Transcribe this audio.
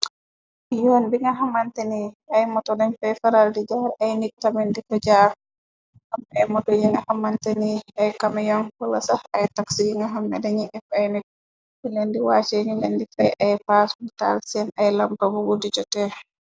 Yoon bi nga xamantani ay moto dañ fay faral di jaar ay nit tamin di fa jaar, am ay moto yi nga xamanteni ay kamiyoŋ wëla sax ay tasi yi nga xamne dañi ep ay nit, nyu len di wacce ñu len di fay ay paas, taal seen ay lampa bu gudi jotee.